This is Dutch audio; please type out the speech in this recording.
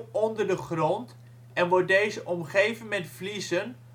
onder de grond en wordt deze omgeven met vliezen